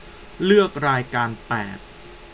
เลือกรายการแปด